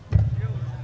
I